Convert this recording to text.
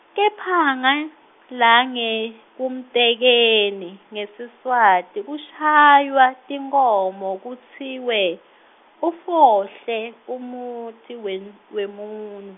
kepha, ngalengekumtekeni, ngesiSwati, kushaywa, tinkhomo, kutsiwe, ufohle, umuti, wem- wemun-.